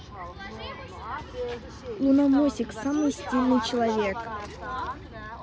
луномосик самый сильный человек